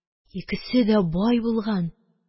Икесе дә бай булган.